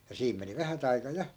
ja siinä meni vähät aika ja